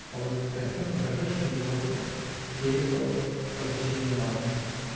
Володя покраснел и дрожащим голосом передал поручение матушки.